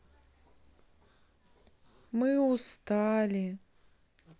мы устали